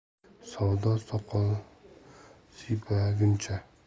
savdo soqol siypaguncha